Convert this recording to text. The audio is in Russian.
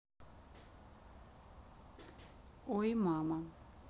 ой мама